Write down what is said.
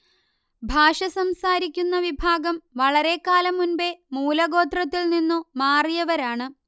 ഭാഷ സംസാരിക്കുന്ന വിഭാഗം വളരെക്കാലം മുൻപെ മൂലഗോത്രത്തിൽനിന്നു മാറിയവരാണ്